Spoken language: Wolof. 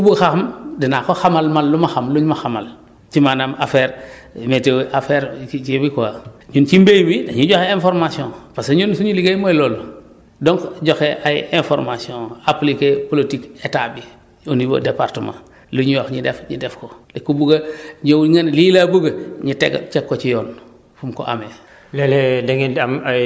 donc ku ñëw ku bëgg xam danaa ko xamal man lu ma xam luñ ma xamal ci maanaam affaire météo affaire kii kii bi quoi ñun ci mbéy mi dañuy joxe information parce que ñun suñu liggéey mooy loolu donc joxe ay informations appliquezr politique état bi au niveau département lu ñuy wax ñu def ñu def ko te ku bugg a ñëw ne lii laa bëgg ñu te teg ko cxi yoon fu mu ko amee